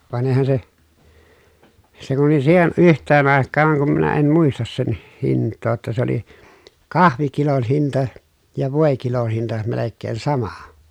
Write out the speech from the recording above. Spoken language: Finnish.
vaan eihän se se kun oli siihen yhteen aikaan kun minä en muista sen hintaa jotta se oli kahvikilon hinta ja voikilon hinta melkein sama